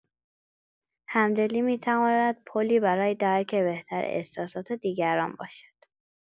همدلی می‌تواند پلی برای درک بهتر احساسات دیگران باشد.